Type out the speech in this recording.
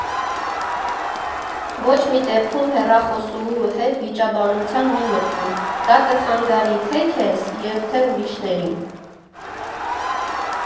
Ոչ մի դեպքում հեռախոսուհու հետ վիճաբանության մի մտնի, դա կխանգարի թե՛ քեզ և թե՛ ուրիշներին։